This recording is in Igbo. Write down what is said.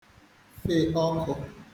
fe ọkụ